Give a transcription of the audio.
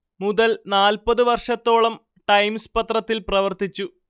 മുതൽ നാൽപ്പതു വർഷത്തോളം ടൈെംസ് പത്രത്തിൽ പ്രവർത്തിച്ചു